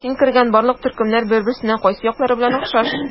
Син кергән барлык төркемнәр бер-берсенә кайсы яклары белән охшаш?